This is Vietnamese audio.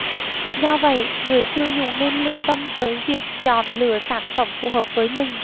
do vậy người tiêu dùng nên lưu tâm tới việc chọn lựa sản phẩm phù hợp với mình